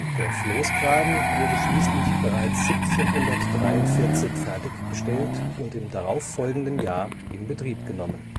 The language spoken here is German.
Der Floßgraben wurde schließlich bereits 1743 fertig gestellt und im darauf folgenden Jahr in Betrieb genommen